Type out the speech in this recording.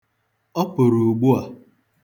Ọ pụrụ ugbua.